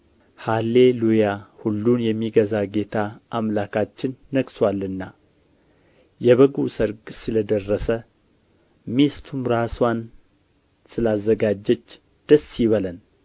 ሃሌ ሉያ ሁሉን የሚገዛ ጌታ አምላካችን ነግሦአልና የበጉ ሰርግ ስለ ደረሰ ሚስቱም ራስዋን ስላዘጋጀች ደስ ይበለን